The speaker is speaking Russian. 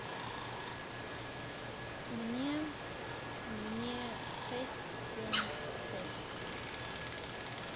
мне мне шесть семь шесть